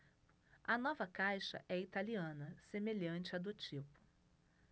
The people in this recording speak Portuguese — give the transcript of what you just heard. a nova caixa é italiana semelhante à do tipo